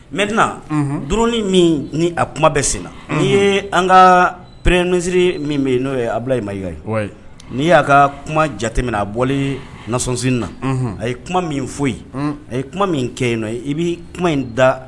Mɛdina du min ni a kuma bɛ sen na'i ye an ka pɛrerɛnɛnsiriri min n'o a bilayi maka n'i y'a ka kuma jate min a bɔ naonsin na a ye kuma min foyi ye a ye kuma min kɛ yen n'o ye i bɛ kuma in da